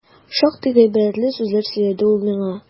Шактый гыйбрәтле сүзләр сөйләде ул миңа.